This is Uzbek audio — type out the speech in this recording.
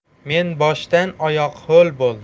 men boshdan oyoq ho'l bo'ldim